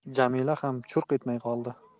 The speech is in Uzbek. jamila ham churq etmay qoldi